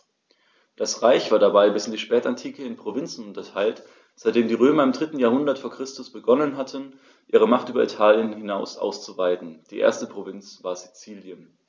Das Reich war dabei bis in die Spätantike in Provinzen unterteilt, seitdem die Römer im 3. Jahrhundert vor Christus begonnen hatten, ihre Macht über Italien hinaus auszuweiten (die erste Provinz war Sizilien).